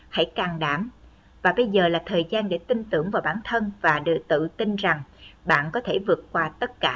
hãy can đảm và bây giờ là thời gian để tin tưởng vào bản thân và tự tin rằng bạn có thể vượt qua tất cả